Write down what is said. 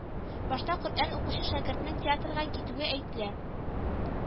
Башта коръән укучы шәкертнең театрга китүе әйтелә